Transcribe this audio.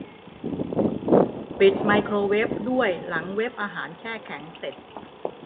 ปิดไมโครเวฟด้วยหลังเวฟอาหารแช่แข่งเสร็จ